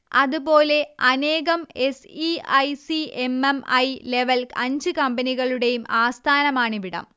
അതുപോലെ അനേകം S E I C M M I level അഞ്ച് കമ്പനികളുടെയും ആസ്ഥാനമാണിവിടം